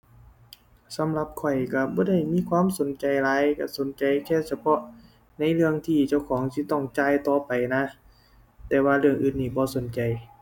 สำหรับข้อยก็บ่ได้มีความสนใจหลาย ก็สนใจแค่เฉพาะในเรื่องที่เจ้าของสิต้องจ่ายต่อไปนะ แต่ว่าเรื่องอื่นนี้บ่สนใจ